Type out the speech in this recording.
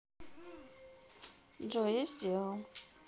джой я сделал